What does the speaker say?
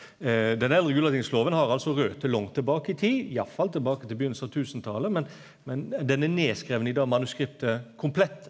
den eldre Gulatingsloven har altså røter langt tilbake i tid, iallfall tilbake til byrjinga av tusentalet, men men den er nedskriven i det manuskriptet komplett.